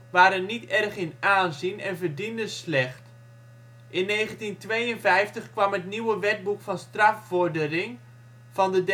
waren niet erg in aanzien en verdienden slecht. In 1952 kwam het nieuwe Wetboek van Strafvordering van de